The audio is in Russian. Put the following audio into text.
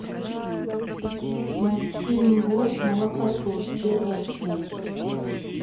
мультфильм босс молокосос первая часть